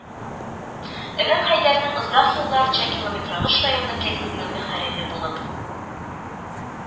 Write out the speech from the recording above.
Энем Хәйдәрнең озак еллар Чакилометрагыш районы гәзитенең мөхәррире булып